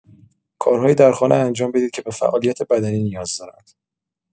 کارهایی در خانه انجام بدید که به فعالیت بدنی نیاز دارند.